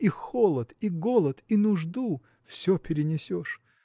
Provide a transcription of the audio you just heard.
и холод, и голод, и нужду – все перенесешь.